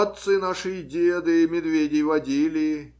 Отцы наши и деды медведей водили